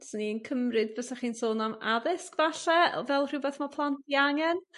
'Swn i'n cymryd bysach chi'n sôn am addysg falle fel rhywbeth ma' plant 'u angen?